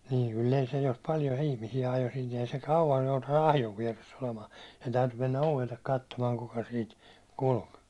niin kyllä ei se jos paljon ihmisiä ajoo sinne ei se kauan joutanut ahjon vieressä olemaan sen täytyy mennä ovelle katsomaan kuka siitä kulki